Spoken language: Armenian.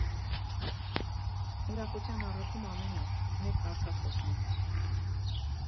֊ «Ուրախության առաքում ամեն օր»՝ մեր կարգախոսն է։